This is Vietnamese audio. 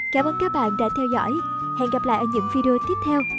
cảm ơn các bạn đã theo dõi hẹn gặp lại ở những video tiếp theo